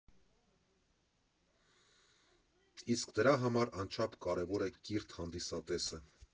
Իսկ դրա համար անչափ կարևոր է կիրթ հանդիսատեսը։